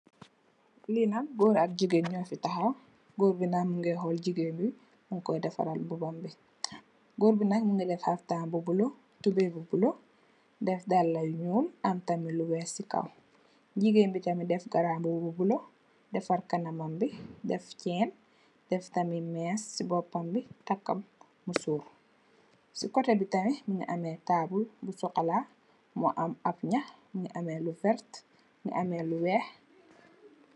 Lii nak, góor ak jigéen ñu fi taxaw, goor...Goor bi nak, mu ngi def xaftaan bu bulo, tubooy bu bulo, def dallë yu ñuul, am tamit lu weex si kowam. Jigeen bi tam def garaambuba bu bulo, defar kanamam bi, def ceen, def tamit mees si boopam bi, takka musóor, si kotte tamit, mu ngi amee taabul bu sokolaa, mu am ab ñax, mu ngi amee lu werta, mu ngi amee lu weex.